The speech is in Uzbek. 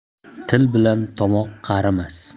til bilan tomoq qarimas